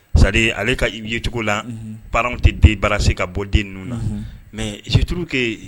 C'est à dire ale ka ye cogo la. Unhun. Parents w tɛ débarrasser ka bɔ den ninnu na. Unhun. Mais il se trouve que